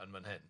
Yn fan hyn.